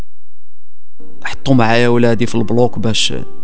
حطوا مع اولادي في البنوك بس